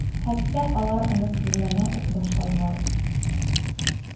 Хәтта алар өметсезләнә үк башладылар.